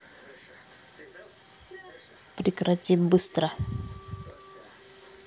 прекрати быстро